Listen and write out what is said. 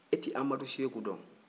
e te amadu seku dɔn